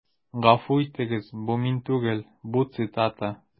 Гафу итегез, бу мин түгел, бу цитата.